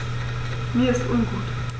Mir ist ungut.